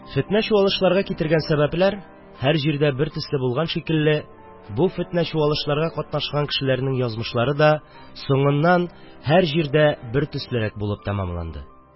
Фетнә-чуалышларга китергән сәбәпләр һәр җирдә бертөсле булган шикелле, бу фетнә-чуалышларга катнашкан кешеләрнең язмышлары да соңыннан һәр җирдә бертөслерәк булып тамамланды.